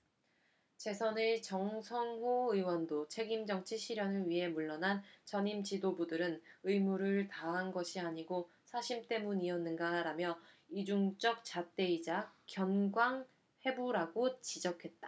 재선의 정성호 의원도 책임정치 실현을 위해 물러난 전임 지도부들은 의무를 다한 것이 아니고 사심 때문이었는가라며 이중적 잣대이자 견강부회라고 지적했다